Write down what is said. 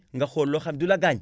nga xool loo xam du la gaañ